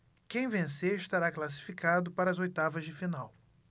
quem vencer estará classificado para as oitavas de final